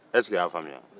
ɛseke i y'a faamuya